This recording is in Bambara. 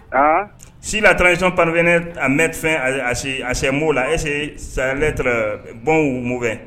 Aaa sila tsicɔnp ne amefɛnse a se maaw la ese saya bɔn' fɛ